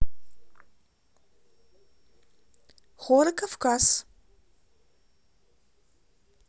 хоры кавказ